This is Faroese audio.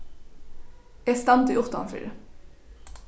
eg standi uttanfyri